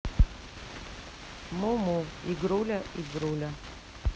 муму игруля игруля